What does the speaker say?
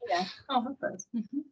Ie o hyfryd m-hm.